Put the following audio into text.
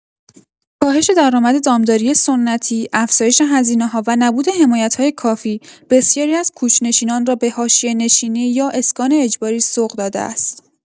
کاهش درآمد دامداری سنتی، افزایش هزینه‌ها و نبود حمایت‌های کافی، بسیاری از کوچ‌نشینان را به حاشیه‌نشینی یا اسکان اجباری سوق داده است.